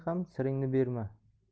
ham siringni berma